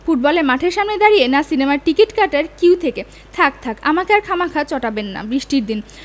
football মাঠের সামনে দাঁড়িয়ে না সিনেমার টিকিট কাটার কিউ থেকে থাক্ থাক্ আমাকে খামাখা চটাবেন না বৃষ্টির দিন